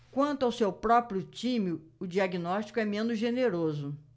quanto ao seu próprio time o diagnóstico é menos generoso